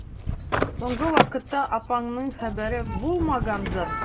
Соңгы вакытта апаңның хәбәре булмагандыр?